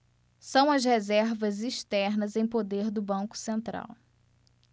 são as reservas externas em poder do banco central